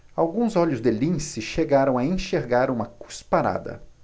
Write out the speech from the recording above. alguns olhos de lince chegaram a enxergar uma cusparada